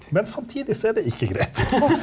men samtidig så er det ikke greit .